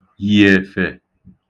yì èfè